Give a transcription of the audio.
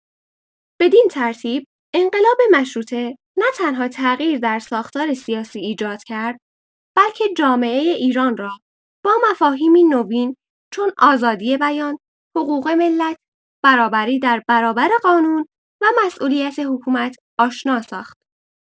بدین‌ترتیب، انقلاب مشروطه نه‌تنها تغییر در ساختار سیاسی ایجاد کرد بلکه جامعه ایران را با مفاهیمی نوین چون آزادی بیان، حقوق ملت، برابری در برابر قانون و مسئولیت حکومت آشنا ساخت.